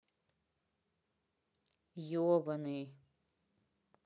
ебаный